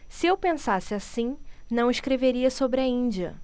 se eu pensasse assim não escreveria sobre a índia